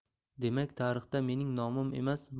demak tarixda mening nomim emas